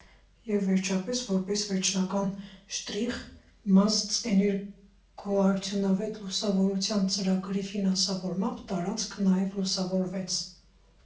Եվ վերջապես, որպես վերջնական շտրիխ, ՄԱԶԾ էներգոարդյունավետ լուսավորության ծրագրի ֆինանսավորմամբ տարածքը նաև լուսավորվեց։